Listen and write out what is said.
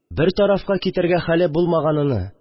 Бер тарафка китәргә хәле булмаганыны